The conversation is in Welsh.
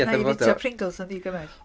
Wna i fyta Pringles yn ddigymell.